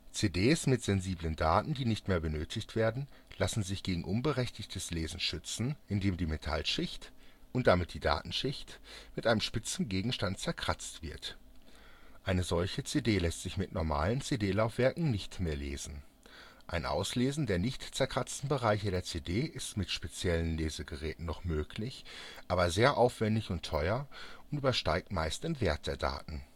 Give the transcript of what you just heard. CDs mit sensiblen Daten, die nicht mehr benötigt werden, lassen sich gegen unberechtigtes Lesen schützen, indem die Metallschicht (und damit die Datenschicht) mit einen spitzem Gegenstand zerkratzt wird. Eine solche CD lässt sich mit normalen CD-Laufwerken nicht mehr lesen. Ein Auslesen der nicht zerkratzten Bereiche der CD ist mit speziellen Lesegeräten noch möglich, aber sehr aufwändig und teuer und übersteigt meist den Wert der Daten